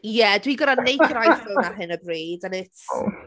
Ie dwi gyda naked i-Phone ar hyn o bryd, and it's...